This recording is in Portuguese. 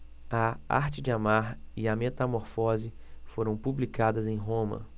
a arte de amar e a metamorfose foram publicadas em roma